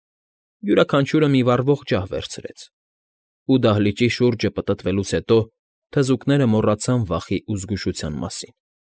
Յուրաքանչյուրը մի վառվող ջահ վերցրեց, ու, դահլիճի շուրջը պտտվելուց հետո, թզուկները մոռացան վախի ու զգուշության մասին։